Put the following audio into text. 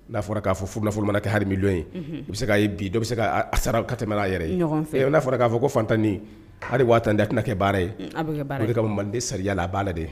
N'a fɔra k'a fɔ f f kɛ ha bɛ se k bi dɔ bɛ se'a sara ka tɛmɛ a yɛrɛ ye n'a fɔra k'a fɔ ko fatanni hali wa tante tɛna kɛ baara ye ka manden sariyayala a baara la de ye